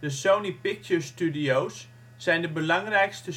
Sony Pictures Studios zijn de belangrijkste